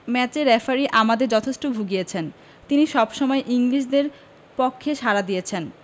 ম্যাচে রেফারি আমাদের যথেষ্ট ভুগিয়েছেন তিনি সবসময় ইংলিশদের পক্ষে সাড়া দিয়েছেন